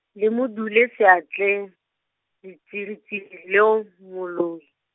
le mo dule seatleng, letsiritsiri loo, moloi.